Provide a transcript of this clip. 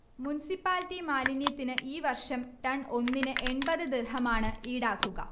municipality മാലിന്യത്തിന് ഈ വർഷം ടൺ ഒന്നിന് എണ്പത് ദിർഹമാണ്ഇടാക്കുക